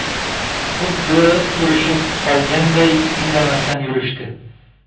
xuddi urishib qolganday indamasdan yurishdi